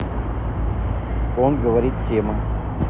он говорит тема